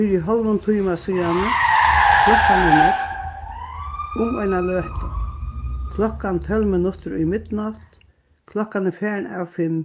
fyri hálvum tíma síðani klokkan er nógv um eina løtu klokkan tólv minuttir í midnátt klokkan er farin av fimm